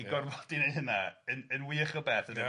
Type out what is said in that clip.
'i gorfodi i neud hynna yn yn wych o beth, dydi? Ia.